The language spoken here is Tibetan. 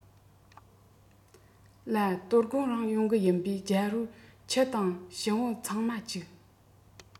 ལྰ དོ དགོང རང ཡོང གི ཡིན པས རྒྱལ པོས ཁྱི དང ཞུམ བུ ཚང མ བཅུག